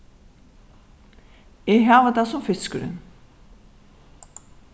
eg havi tað sum fiskurin